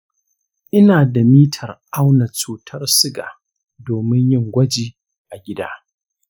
ina da mitar auna cutar suga domin yin gwaji a gida.